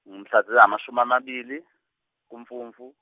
mhla zingamashumi amabili kuMfumfu.